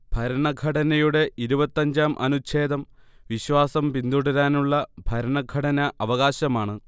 ഭരണഘടനയുടെ ഇരുപത്തഞ്ചാം അനുചേ്ഛദം വിശ്വാസം പിന്തുടരാനുള്ള ഭരണഘടനാ അവകാശമാണ്